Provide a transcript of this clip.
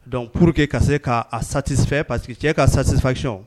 Donc pur que ka se k'a safɛ que cɛ k ka sasifacɔn